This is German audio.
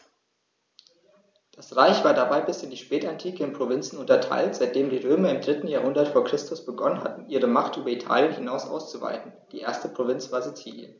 Das Reich war dabei bis in die Spätantike in Provinzen unterteilt, seitdem die Römer im 3. Jahrhundert vor Christus begonnen hatten, ihre Macht über Italien hinaus auszuweiten (die erste Provinz war Sizilien).